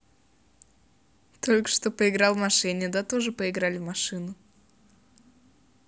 только что поиграли в машине да тоже поиграли в машину